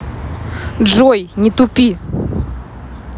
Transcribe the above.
джой не тупи